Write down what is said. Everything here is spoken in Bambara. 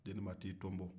deniba t'i tonbo